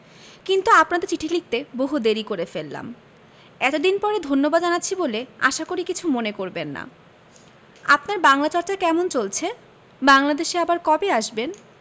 কিন্তু আপনাদের চিঠি লিখতে বহু দেরী করে ফেললাম এতদিন পরে ধন্যবাদ জানাচ্ছি বলে আশা করি কিছু মনে করবেন না আপনার বাংলা চর্চা কেমন চলছে বাংলাদেশে আবার কবে আসবেন